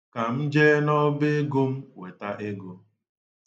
Ka m jee n'ọba ego m wete ego.